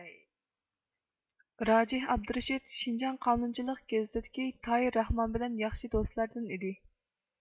راجىھ ئابدۇرېشىت شىنجاڭ قانۇنچىلىق گېزىتىدىكى تاھىر راخمان بىلەن ياخشى دوستلاردىن ئىدى